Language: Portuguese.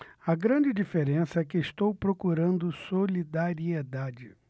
a grande diferença é que eu estou procurando solidariedade